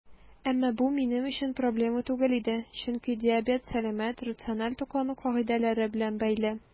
Әмма бу минем өчен проблема түгел иде, чөнки диабет сәламәт, рациональ туклану кагыйдәләре белән бәйле.